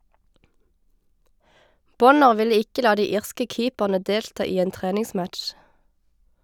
Bonner ville ikke la de irske keeperne delta i en treningsmatch.